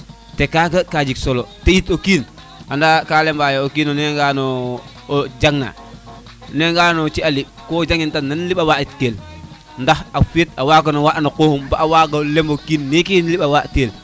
te kaga ka jeg solo teyit o kiin anda ka lemba yo o kiin o ne ngano o o jang na nangano ci an liɓ ko jangin kan nen liɓa waɗit kel ndax o feet o wagano waɗana xoxum ba wago lembu o kiin neke liɓ a waaɗ teel